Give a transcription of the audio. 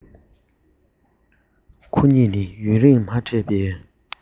ཁོ གཉིས ནི ཡུན རིང མ འཕྲད པའི